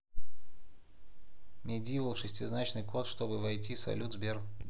medieval шестизначный код чтобы войти салют сбер